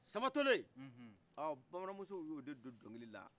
samba to len ɔɔ bamananmusow ye o de don dɔnkili la